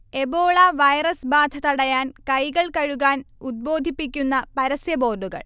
Ebola virus ബാധ തടയാൻ കൈകൾ കഴുകാൻ ഉദ്ബോധിപ്പിക്കുന്ന പരസ്യ ബോർഡുകൾ